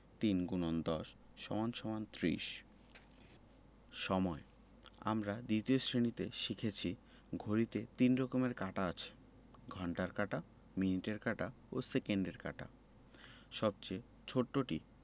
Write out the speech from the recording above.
৩ ×১০ = ৩০ সময়ঃ আমরা ২য় শ্রেণিতে শিখেছি ঘড়িতে ৩ রকমের কাঁটা আছে ঘণ্টার কাঁটা মিনিটের কাঁটা ও সেকেন্ডের কাঁটা সবচেয়ে ছোটটি